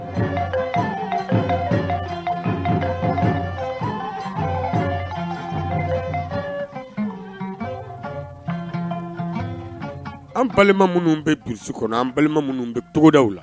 San an balima minnu bɛ dusu kɔnɔ an balima minnu bɛ cogodaw la